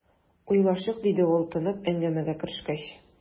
"уйлашыйк", - диде ул, тынып, әңгәмәгә керешкәч.